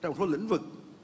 trong cái lĩnh vực